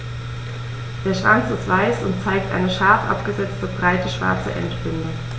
Der Schwanz ist weiß und zeigt eine scharf abgesetzte, breite schwarze Endbinde.